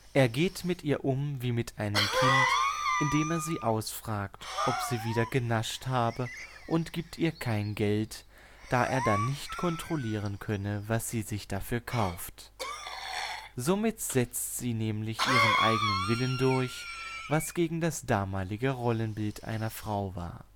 Er geht mit ihr um wie mit einem Kind, in dem er sie ausfragt, ob sie wieder genascht habe und gibt ihr kein Geld, da er dann nicht kontrollieren könne, was sie sich dafür kauft. Somit setze sie nämlich ihren eigenen Willen durch, was gegen das damalige Rollenbild einer Frau war